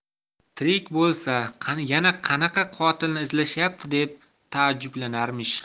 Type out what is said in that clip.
tirik bo'lsa yana qanaqa qotilni izlashyapti deb taajjublanarmish